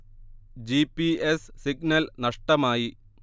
ജീ. P. S signal നഷ്ടമായി